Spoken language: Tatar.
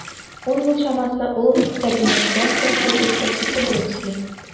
Ун ел чамасы ул тәрҗемәчеләр секциясе җитәкчесе булып эшли.